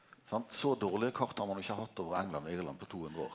sant så dårlege kart har ein jo ikkje hatt over England og Irland på 200 år.